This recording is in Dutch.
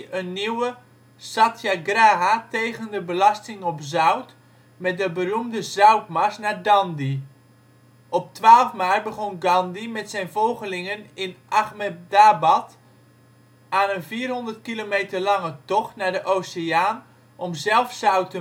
een nieuwe satyagraha tegen de belasting op zout met de beroemde Zoutmars naar Dandi. Op 12 maart begon Gandhi met zijn volgelingen in Ahmedabad aan een 400 kilometer lange tocht naar de oceaan om zelf zout